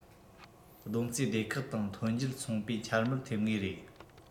བསྡོམས རྩིས སྡེ ཁག དང ཐོན འབྱེད ཚོང པས འཕྱ སྨོད ཐེབས ངེས རེད